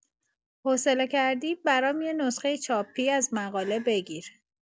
حوصله کردی برام یه نسخه چاپی از مقاله بگیر.